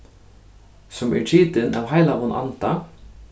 sum er gitin av heilagum anda